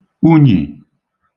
unyì